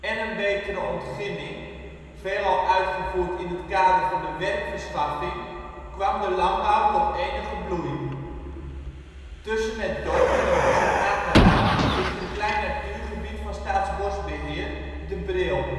betere ontginning, veelal uitgevoerd in het kader van de werkverschaffing kwam de landbouw tot enige bloei. Tussen het dorp en het Mussel-Aa-kanaal ligt een klein natuurgebied van Staatsbosbeheer: De Bril